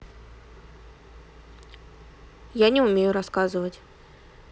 я не умею рассказывать